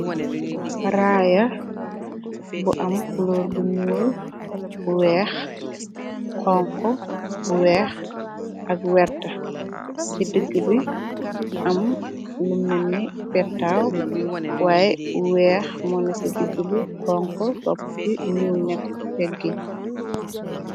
Raaya bu am color bu nuul weex xonko weex ak werta ci digg bi am lu menni petaw waaye weex mono ci digg bi xonko topp ci ñyuul nekke ci pegge yi.